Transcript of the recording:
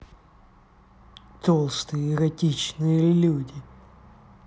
толстые эротичные люди